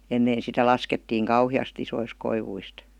ennen sitä laskettiin kauheasti isoista koivuista